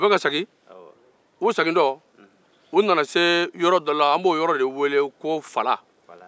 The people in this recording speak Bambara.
u bɛka segin u segintɔ nana se yɔrɔ dɔ la ko fala